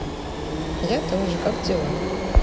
я тоже как дела